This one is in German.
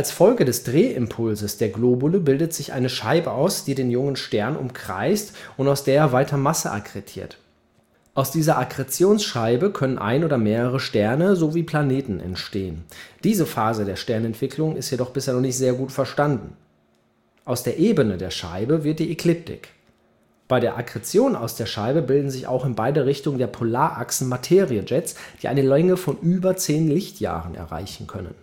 Folge des Drehimpulses der Globule bildet sich eine Scheibe aus, die den jungen Stern umkreist, und aus der er weiter Masse akkretiert. Aus dieser Akkretionsscheibe können ein oder mehrere Sterne sowie Planeten entstehen. Diese Phase der Sternentwicklung ist jedoch bisher noch nicht so gut verstanden. Aus der Ebene der Scheibe wird die Ekliptik. Bei der Akkretion aus der Scheibe bilden sich auch in beide Richtungen der Polachsen Materie-Jets (siehe Bild), die eine Länge von über 10 Lichtjahren erreichen können